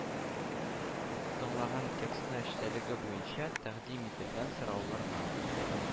Тыңланган текстның эчтəлеге буенча тəкъдим ителгəн сорауларга